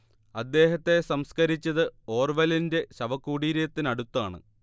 അദ്ദേഹത്തെ സംസ്കരിച്ചത് ഓർവെലിന്റെ ശവകുടിരത്തിനടുത്താണ്